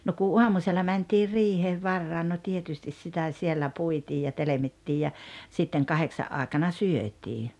no kun aamusella mentiin riiheen varhain no tietysti sitä siellä puitiin ja telmittiin ja sitten kahdeksan aikana syötiin